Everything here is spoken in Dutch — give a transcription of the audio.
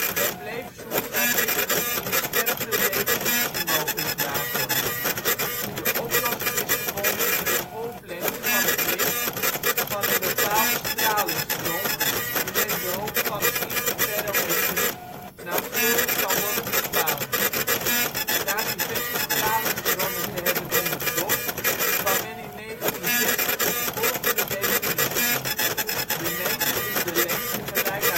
Men bleef zoeken naar middelen die een scherpere definitie mogelijk maken. De oplossing is gevonden in de golflengte van het licht van een bepaalde stralingsbron, die met behulp van interferometrie nauwkeurig kan worden bepaald. Na diverse stralingsbronnen te hebben onderzocht, kwam men in 1960 tot de volgende definitie: de meter is de lengte gelijk